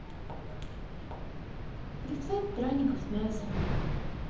рецепт драников с мясом